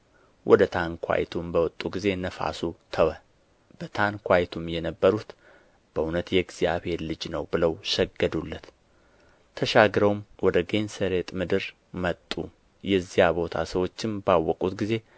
ወደ ታንኳይቱም በወጡ ጊዜ ነፋሱ ተወ በታንኳይቱም የነበሩት በእውነት የእግዚአብሔር ልጅ ነህ ብለው ሰገዱለት ተሻግረውም ወደ ጌንሴሬጥ ምድር መጡ የዚያ ቦታ ሰዎችም ባወቁት ጊዜ